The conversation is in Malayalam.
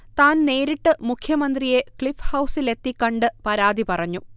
താൻ നേരിട്ട് മുഖ്യമന്ത്രിയെ ക്ളിഫ്ഹൗസിലെത്തി കണ്ട് പരാതി പറഞ്ഞു